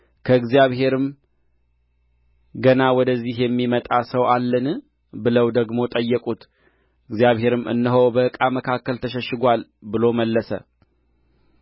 ከእግዚአብሔርም ገና ወደዚህ የሚመጣ ሰው አለን ብለው ደግሞ ጠየቁት እግዚአብሔርም እነሆ በዕቃ መካከል ተሸሽጎአል ብሎ መለሰ